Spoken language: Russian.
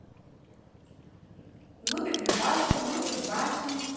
нубик любаши нубик в башни